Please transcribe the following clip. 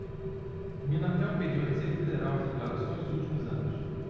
minatel pediu à receita federal as declarações dos últimos anos